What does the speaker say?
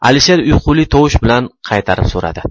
alisher uyquli tovush bilan qaytarib so'radi